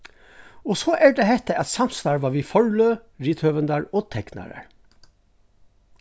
og so er tað hetta at samstarva við forløg rithøvundar og teknarar